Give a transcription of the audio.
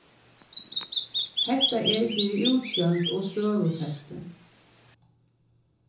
hetta er fyri útsjónd og støðufesti